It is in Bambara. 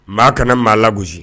Maa kana maa la gosi